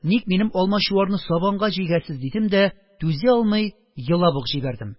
Ник минем Алмачуарны сабанга җигәсез? - дидем дә түзә алмый елап ук җибәрдем.